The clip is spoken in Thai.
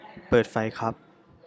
เปิดไฟครับ